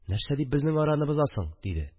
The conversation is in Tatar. – нәрсә дип безнең араны бозасың? – диде